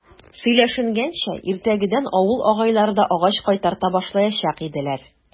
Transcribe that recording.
Сөйләшенгәнчә, иртәгәдән авыл агайлары да агач кайтарта башлаячак иделәр.